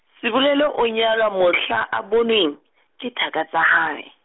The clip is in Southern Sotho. Sebolelo o nyalwa mohla a bonweng, ke thaka tsa hae.